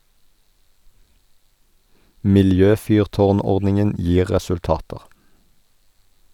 Miljøfyrtårn-ordningen gir resultater.